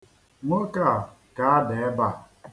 Nwoke a ga-ada ebe a.